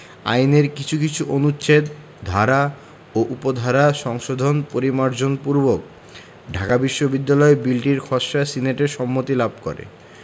আইনের কিছু কিছু অনুচ্ছেদ ধারা ও উপধারা সংশোধন পরিমার্জন পূর্বক ঢাকা বিশ্ববিদ্যালয় বিলটির খসড়া সিনেটের সম্মতি লাভ করে